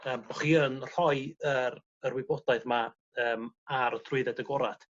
yym bo' chi yn rhoi yr yr wybodaeth 'ma yym ar y trwyddad agorad?